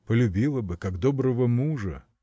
полюбила бы — как доброго мужа.